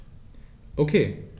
Okay.